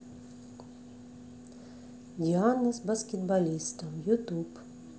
диана с баскетболистом ютуб